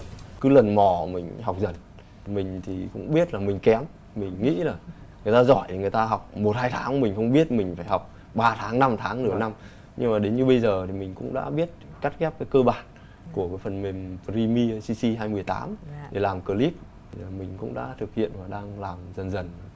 cứ lần mò mình học dần mình thì cũng biết rằng mình kém mình nghĩ là người ta giỏi thì người ta học một hai tháng mình không biết mình phải học ba tháng năm tháng nửa năm nhưng mà đến như bây giờ thì mình cũng đã biết cắt ghép về cơ bản của một phần mềm phờ ri mi hay xi xi hai mười tám để làm cờ líp thì mình cũng đã thực hiện và đang làm dần dần